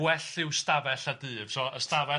Gwell yw ystafell a dyf', so ystafell...